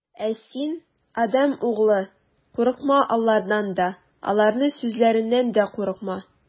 Ә син, адәм углы, курыкма алардан да, аларның сүзләреннән дә курыкма.